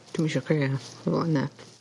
Dwi'm isio crio.